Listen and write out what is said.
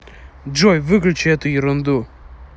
джой выключи эту ерунду